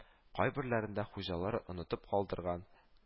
Кайберләрендә хуҗалар онытып калдырган